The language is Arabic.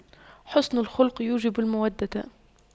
حُسْنُ الخلق يوجب المودة